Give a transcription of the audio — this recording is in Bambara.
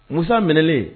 Musa minɛen